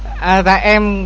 à dạ em